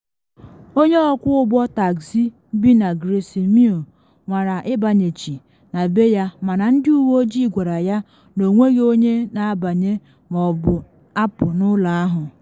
Onye ọkwọ ụgbọ taksị bi na Grayson Mew nwara ịbanyechi na be ya mana ndị uwe ojii gwara ya na ọ nweghị onye na abanye ma ọ bụ apụ n’ụlọ ahụ.